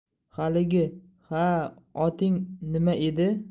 haligi ha oting nima edi